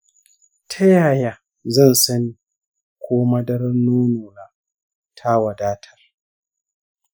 ta yaya zan sani ko madarar nonona ta wadatar?